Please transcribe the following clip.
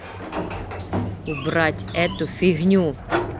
убрать эту фигню